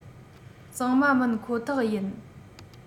གཙང མ མིན ཁོ ཐག ཡིན